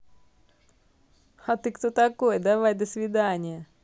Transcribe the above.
а ты кто такой давай до свидания